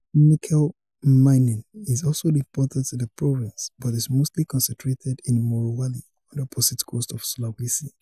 Nickel mining is also important in the province, but is mostly concentrated in Morowali, on the opposite coast of Sulawesi.